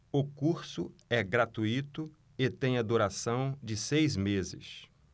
o curso é gratuito e tem a duração de seis meses